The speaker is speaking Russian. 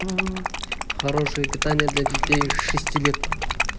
хорошее питание для детей шести лет